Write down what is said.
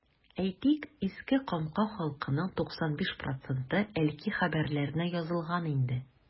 Әйтик, Иске Камка халкының 95 проценты “Әлки хәбәрләре”нә язылган инде.